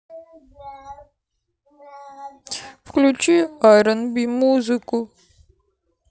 включи айрон би музыку